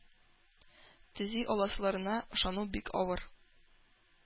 Төзи аласыларына ышану бик авыр.